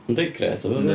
Yndi grêt iddo fo.